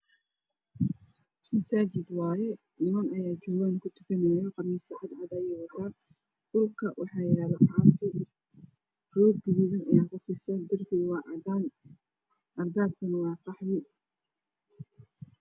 Masajid wayay niman aya jooga oo kudukanayo qamisyo cadcad ayey watan dhulka waxayalo caafi roog gaduudan aya kufisan darbiga waa cadan albaabkan waa qaxwi